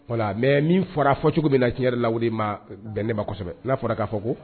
Voilà mais min fɔra fɔ cogo min na tiɲɛ yɛrɛ la o de ma bɛn ne ma kosɛbɛ n'a fɔra k'a fɔ ko